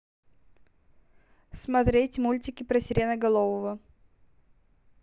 смотреть мультики про сиреноголового